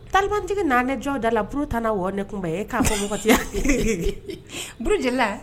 Talinintigi na n ye jɔ ne dala nbuuru tanna wɔ ne kunbɛ e k'a fɔ nbuuru jolila